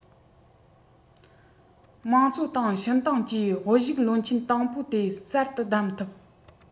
དམངས གཙོ ཏང ཞིན ཏང བཅས དབུ བཞུགས བློན ཆེན དང པོ དེ གསར དུ བདམས ཐུབ